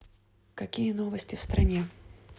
какие новости в стране